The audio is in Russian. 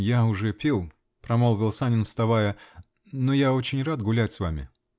-- Я уже пил, -- промолвил Санин, вставая, -- но я очень рад гулять с вами.